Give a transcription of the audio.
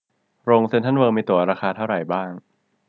โรงเซ็นทรัลเวิลด์มีตั๋วราคาเท่าไหร่บ้าง